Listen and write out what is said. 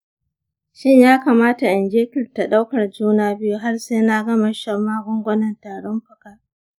shin ya kamata in jinkirta ɗaukar juna biyu har sai na gama shan magungunan tarin fuka?